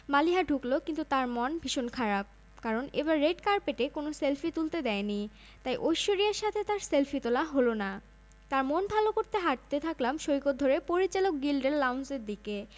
মালিহা ঢুকলো কিন্তু তার মন ভীষণ খারাপ কারণ এবার রেড কার্পেটে কোনো সেলফি তুলতে দেয়নি তাই ঐশ্বরিয়ার সাথে তার সেলফি তোলা হলো না তার মন ভালো করতে হাঁটতে থাকলাম সৈকত ধরে পরিচালক গিল্ডের লাউঞ্জের দিকে